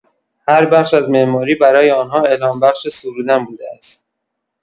هر بخش از معماری برای آن‌ها الهام‌بخش سرودن بوده است.